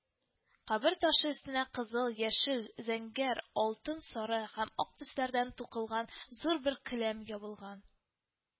Кабер ташы өстенә кызыл, яшел, зәңгәр, алтын сары һәм ак төсләрдән тукылган зур бер келәм ябылган